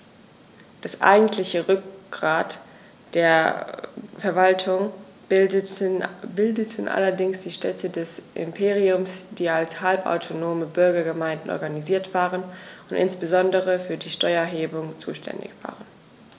Das eigentliche Rückgrat der Verwaltung bildeten allerdings die Städte des Imperiums, die als halbautonome Bürgergemeinden organisiert waren und insbesondere für die Steuererhebung zuständig waren.